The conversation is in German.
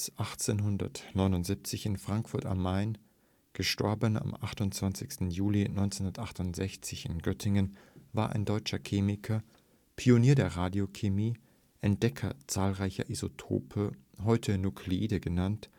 1879 in Frankfurt am Main; † 28. Juli 1968 in Göttingen) war ein deutscher Chemiker, Pionier der Radiochemie, Entdecker zahlreicher Isotope, heute Nuklide genannt